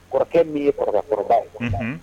Kɔrɔkɛ min ye kɔrɔkɛkɔrɔba ye unhun